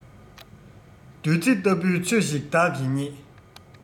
བདུད རྩི ལྟ བུའི ཆོས ཤིག བདག གིས རྙེད